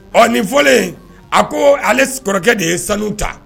Ɔ nin fɔlen a ko ale kɔrɔkɛ de ye sanu ta